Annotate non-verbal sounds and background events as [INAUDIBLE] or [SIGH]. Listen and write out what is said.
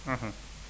[HESITATION] [HESITATION]